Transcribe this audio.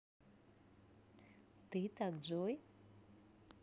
ты так джой